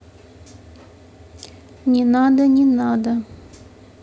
не надо не надо